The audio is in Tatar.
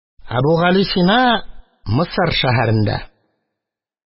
Әбүгалисина Мисыр шәһәрендә